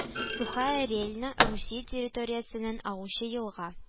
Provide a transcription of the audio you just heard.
Сухая Рельня Русия территориясеннән агучы елга